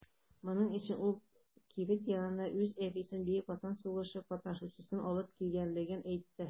Моның өчен ул кибет янына үз әбисен - Бөек Ватан сугышы катнашучысын алып килгәнлеген әйтте.